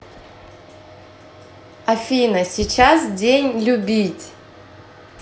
афина сейчас день любить